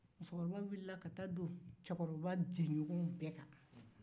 musokɔrɔba wulila ka taa don cɛkɔrɔba jɛɲɔgɔ bɛɛ kan